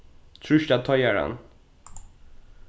trýst á teigaran